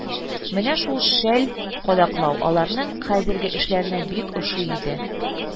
Менә шул шәл кадаклау аларның хәзерге эшләренә бик охшый иде